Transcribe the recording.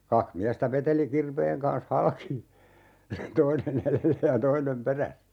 kaksi miestä veteli kirveen kanssa halki toinen edellä ja toinen perässä